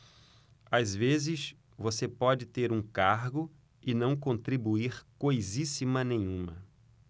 às vezes você pode ter um cargo e não contribuir coisíssima nenhuma